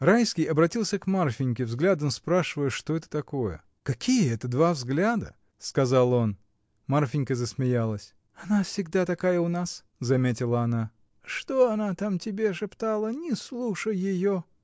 Райский обратился к Марфиньке, взглядом спрашивая, что это такое. — Какие это два взгляда? — сказал он. Марфинька засмеялась. — Она всегда такая у нас! — заметила она. — Что она там тебе шептала? Не слушай ее!